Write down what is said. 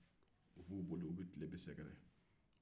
u b'u boli ka tilebin sɛgɛrɛ